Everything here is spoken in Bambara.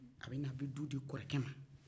a bɛna a bɛ du di kɔrɔkɛ ma